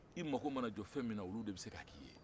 i mako mana jɔ fɛn min na olu de bɛ se k'a k'i ye